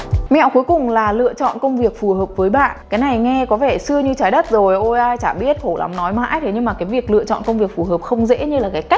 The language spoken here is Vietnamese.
mẹo cuối cùng là lựa chọn công việc phù hợp với bạn cái này nghe có vẻ xưa như trái đất rồi ô ai chả biết khổ lắm nói mãi thế nhưng mà cái việc lựa chọn công việc phù hợp không dễ như là cái cách